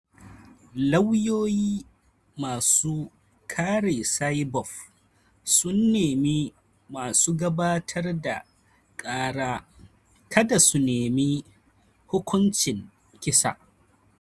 Lauyoyi masu kare Saipov sun nemi masu gabatar da kara kada su nemi hukuncin kisa.